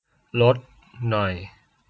ลดหน่อย